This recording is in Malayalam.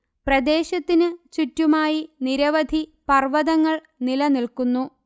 പ്രദേശത്തിന് ചുറ്റുമായി നിരവധി പർവതങ്ങൾ നിലനിൽക്കുന്നു